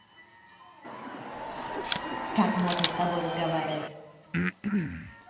как можно с тобой разговаривать